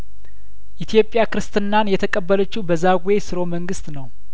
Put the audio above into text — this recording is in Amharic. ኢትዮጵያ ክርስትናን የተቀበለችው በዛጔ ስርወ መንግስት ነው